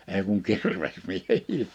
ei kuin kirvesmiehiä